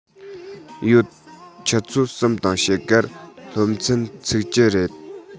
ཡོད ཆུ ཚོད གསུམ དང ཕྱེད ཀར སློབ ཚན ཚུགས ཀྱི རེད